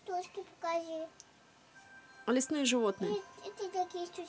лесные животные